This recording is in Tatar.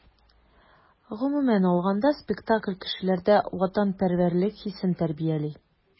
Гомумән алганда, спектакль кешеләрдә ватанпәрвәрлек хисен тәрбияли.